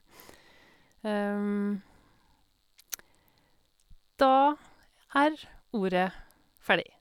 Da er ordet ferdig.